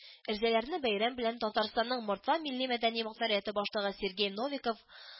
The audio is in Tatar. Эрзәләрне бәйрәм белән Татарстанның мордва милли-мәдәни мохтарияте башлыгы Сергей Новиков